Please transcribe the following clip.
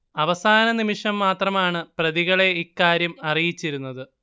അവസാന നിമിഷം മാത്രമാണ് പ്രതികളെ ഇക്കാര്യം അറിയിച്ചിരുന്നത്